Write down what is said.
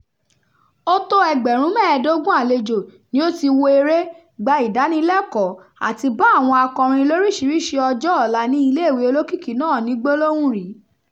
Ó tó ẹgbẹ̀rún mẹ́ẹ̀ẹ́dógún àlejò ni ó ti wo eré, gba ìdánilẹ́kọ̀ọ́ àti bá àwọn akọrin lóríṣiírísí ọjọ́ ọ̀la ní iléèwé olókìkí náà ní gbólóhùn rí.